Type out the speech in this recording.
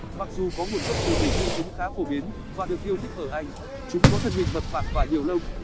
mặc dù có nguồn gốc từ bỉ nhưng chúng khá phổ biến và được yêu thích ở anh chúng có thân hình mập mạp và nhiều lông